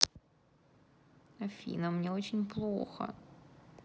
афина мне очень плохо